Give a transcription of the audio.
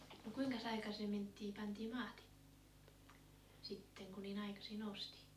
no kuinkas aikaiseen mentiin pantiin maate sitten kun niin aikaisiin noustiin